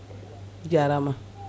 jarama